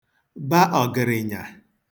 ba ọ̀gịrị̀nyà